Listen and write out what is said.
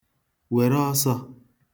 wère ọsō